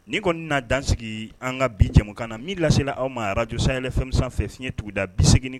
Ni kɔni na dansigi an ka bi jɛ kan na min laseelila aw ma arajsay fɛn sanfɛ fɛ fiɲɛɲɛ tuguda bi segin